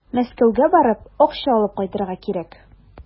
Мәскәүгә барып, акча алып кайтырга кирәк.